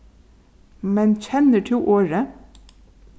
men kennir tú orðið